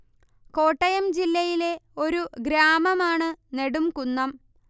കോട്ടയം ജില്ലയിലെ ഒരു ഗ്രാമമാണ് നെടുംകുന്നം